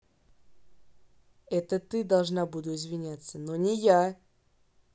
это ты должна буду извиняться но не я